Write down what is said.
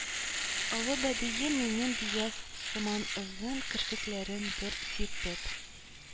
Олы бәбием минем дигән сыман, озын керфекләрен бер сирпеп,